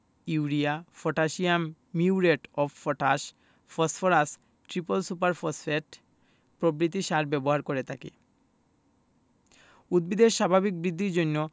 urea potassium muriate of potash phosphorus triple super phosphate প্রভৃতি সার ব্যবহার করে থাকি উদ্ভিদের স্বাভাবিক বৃদ্ধির জন্য